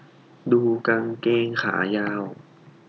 ดูกางเกงขายาว